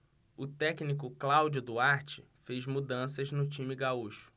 o técnico cláudio duarte fez mudanças no time gaúcho